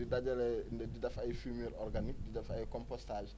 di dajale di def ay fumier organique di def ay compostage